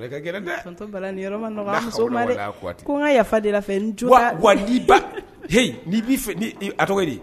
Ko n ka yafa de n a tɔgɔ di